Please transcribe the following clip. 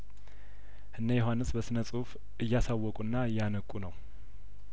እነ ዮሀንስ በስነ ጽሁፍ እያሳወቁና እያነቁ ነው